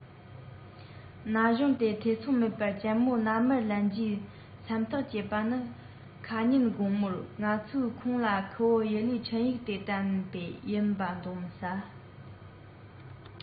ན གཞོན དེས ཐེ ཚོམ མེད པར གཅེན མོ མནའ མར ལེན རྒྱུའི སེམས ཐག བཅད པ ནི ཁ ཉིན དགོང མོར ང ཚོས ཁོང ལ ཁུ བོ ཡུ ལེའི འཕྲིན ཡིག དེ བསྟན པས ཡིན པ གདོན མི ཟ